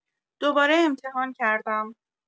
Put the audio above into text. دوباره امتحان کردم.